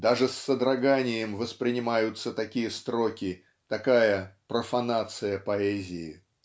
даже с содроганием воспринимаются такие строки такая профанация поэзии